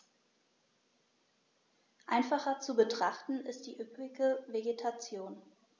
Einfacher zu betrachten ist die üppige Vegetation.